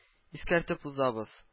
Искәртеп узабыз